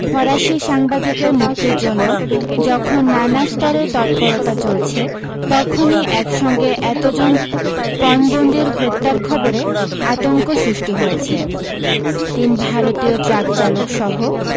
ফরাসি সাংবাদিকের মুক্তীর জন্য যখন নানা স্তরে তৎপরতা চলছে তখনই এক সঙ্গে এত জন পণবন্দির হত্যার খবরে আতঙ্ক সৃষ্টি হয়েছে তিন ভারতীয় ট্রাক চালক সহ